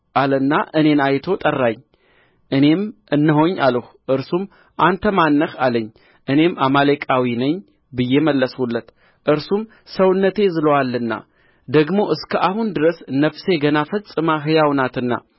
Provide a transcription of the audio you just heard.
አለና እኔን አይቶ ጠራኝ እኔም እነሆኝ አልሁ እርሱም አንተ ማን ነህ አለኝ እኔም አማሌቃዊ ነኝ ብዬ መለስሁለት እርሱም ሰውነቴ ዝሎአልና ደግሞ እስከ አሁን ድረስ ነፍሴ ገና ፈጽማ ሕያው ናትና